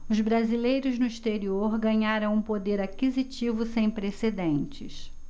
os brasileiros no exterior ganharam um poder aquisitivo sem precedentes